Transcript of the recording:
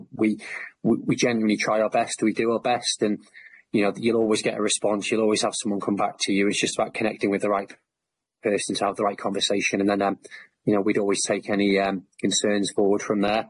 We w- we genuinely try our best, we do our best, and you know you'll always get a response, you'll always have someone come back to you. It's just about connecting with the right p- person to have the right conversation and then erm you know we'd always take any erm concerns forward from there.